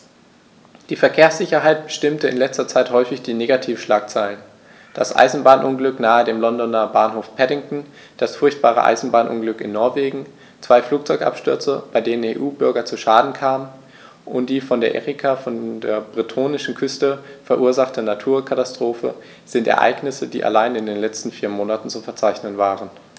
Die Verkehrssicherheit bestimmte in letzter Zeit häufig die Negativschlagzeilen: Das Eisenbahnunglück nahe dem Londoner Bahnhof Paddington, das furchtbare Eisenbahnunglück in Norwegen, zwei Flugzeugabstürze, bei denen EU-Bürger zu Schaden kamen, und die von der Erika vor der bretonischen Küste verursachte Naturkatastrophe sind Ereignisse, die allein in den letzten vier Monaten zu verzeichnen waren.